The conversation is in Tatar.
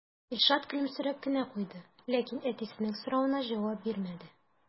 Илшат көлемсерәп кенә куйды, ләкин әтисенең соравына җавап бирмәде.